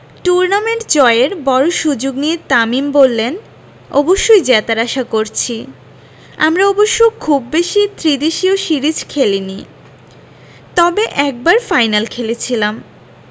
tournament জয়ের বড় সুযোগ নিয়ে তামিম বললেন অবশ্যই জেতার আশা করছি আমরা অবশ্য খুব বেশি ত্রিদেশীয় সিরিজ খেলেনি তবে একবার ফাইনাল খেলেছিলাম